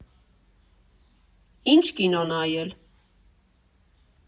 Ի՞նչ կինո նայել։